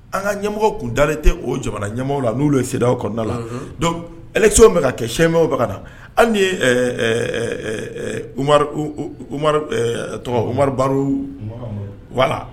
An ɲa ɲɛmɔgɔw tun dalen te o jamana ɲɛmɔgɔw la n'olu ye CDEAO kɔɔna la unhun donc élection w be ka kɛ changement w be kana hali n'i ye ɛɛ ɛ ɛ ɛ ɛ Umaru u u Umaru b ɛɛ a tɔgɔ Umaru Baruu voilà